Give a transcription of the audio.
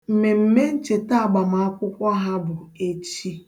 Mmemme ncheta agbamakwụkwọ ha bụ echi.